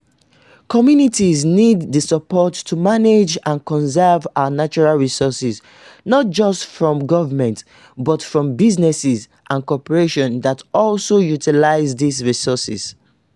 Communities need the support to manage and conserve our natural resources not just from governments but from businesses and corporations that also utilise these resources.